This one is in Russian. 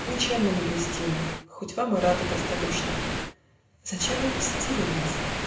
ничем мы не блестим, Хоть вам и рады простодушно. Зачем вы посетили нас?